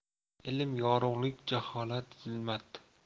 ilm yorug'lik jaholat zuimat